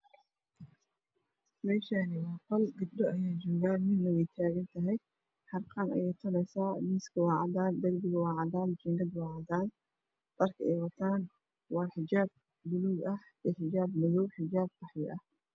Meshani waa qol gabdho ayaa jogah midna waay tagan tahay harqan ayay tolaysah miska waa cadan darbigu waa cadan jingadu waa cadan dharka aay watan waa xijab baluug ah iyo hijab madow hijab qaxwi ah